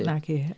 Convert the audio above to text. Naci.